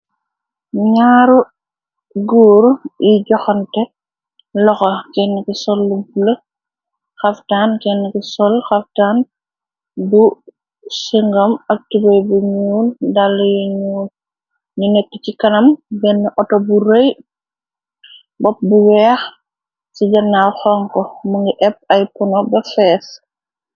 ñaaru góur yi joxante loxo enni xaftaan kenn ki soll xaftaan bu singam aktube bu ñuul dal yu ñuu ni nekk ci kanam benn auto bu rëy bopp bu weex ci jannaaw xonko mu ngi épp ay puno ba fees